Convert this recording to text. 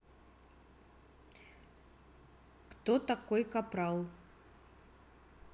кто такой капрал